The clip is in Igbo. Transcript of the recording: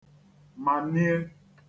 mànie